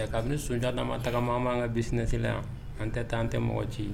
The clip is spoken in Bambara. Kabini ni sondiya'ma tagama maan ka bisimilasi yan an tɛ taa an tɛ mɔgɔ nci